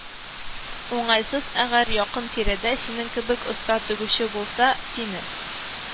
Уңайсыз, әгәр якын-тирәдә синең кебек оста тегүче булса, сине